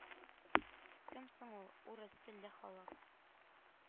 Кем соң ул «урыс телле халык»?